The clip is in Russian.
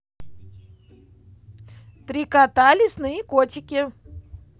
три кота лесные котики